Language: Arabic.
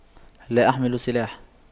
لا أحمل سلاح